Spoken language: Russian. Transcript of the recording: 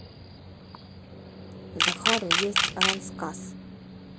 захару есть аранскас